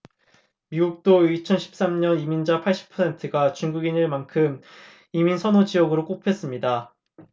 미국도 이천 십 삼 년 이민자 팔십 퍼센트가 중국인일 만큼 이민 선호 지역으로 꼽혔습니다